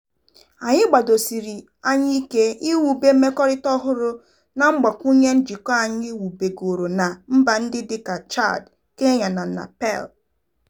Anyị gbadosiri anya ike n'iwube mmekọrịta ọhụrụ na Mgbakwunye njikọ anyị wubegoro na mba ndị dịka Chad, Kenya na Nepal.